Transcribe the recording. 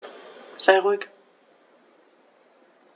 Sei ruhig.